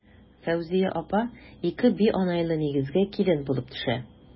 Фәүзия апа ике бианайлы нигезгә килен булып төшә.